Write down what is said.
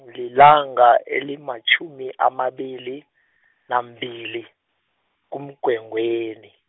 lilanga elimatjhumi amabili, nambili, kuMgwengweni.